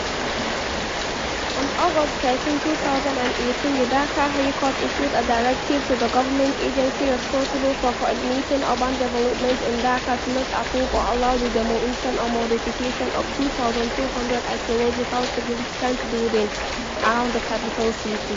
On August 13, 2018, the Dhaka High Court issued a directive to the government agency responsible for coordinating urban development in Dhaka to not approve or allow the demolition or modification of 2,200 archaeologically significant buildings around the capital city.